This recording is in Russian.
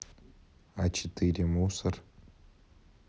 а четыре мусор